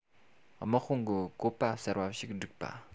དམག དཔུང གི བཀོད པ གསར པ ཞིག བསྒྲིགས པ